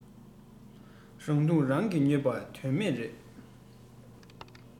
རང སྡུག རང གིས ཉོས པ དོན མེད རེད